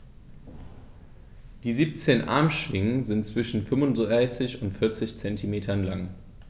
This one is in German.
Die 17 Armschwingen sind zwischen 35 und 40 cm lang.